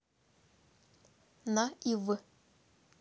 на и в